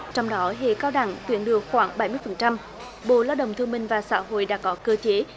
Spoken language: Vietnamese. trong đó hệ cao đẳng tuyển được khoảng bảy mươi phần trăm bộ lao động thương binh và xã hội đã có cơ chế